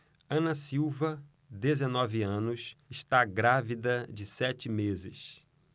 ana silva dezenove anos está grávida de sete meses